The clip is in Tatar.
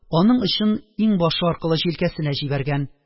Аның очын иңбашы аркылы җилкәсенә җибәргән